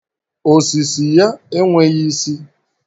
Osisi ya enweghị isi.